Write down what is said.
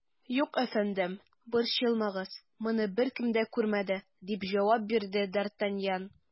Юк, әфәндем, борчылмагыз, моны беркем дә күрмәде, - дип җавап бирде д ’ Артаньян.